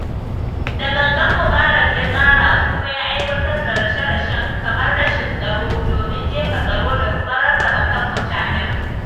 Da gangan Mubarak ya tsara kuma ya aiwatar da rashe-rashen kamar rashin tsaro domin jefa tsaro da kuma rarraba kan mutanen #Jan25.